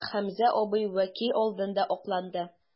Хәмзә абый вәкил алдында акланды.